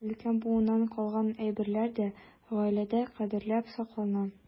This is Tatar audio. Өлкән буыннан калган әйберләр дә гаиләдә кадерләп саклана.